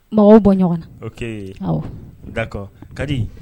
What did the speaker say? Mɔgɔw bɔ ɲɔgɔn na; ok ;awɔ; d'accord , Kadi